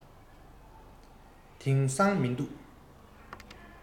དེང སང མི འདུག